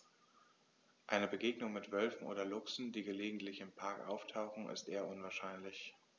Eine Begegnung mit Wölfen oder Luchsen, die gelegentlich im Park auftauchen, ist eher unwahrscheinlich.